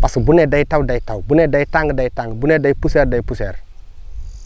parce que bu nee day taw day taw bu nee day tàng day tàng bu nee day poussière day poussière